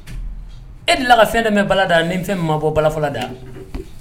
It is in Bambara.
E ni la ka fɛn de bɛ bala da ni fɛn ma bɔ balafɔla da yan